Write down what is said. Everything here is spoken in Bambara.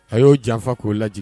A y'o janfan k'o lagin